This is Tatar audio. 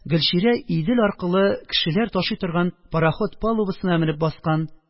Гөлчирә Идел аркылы кешеләр ташый торган пароход палубасына менеп баскан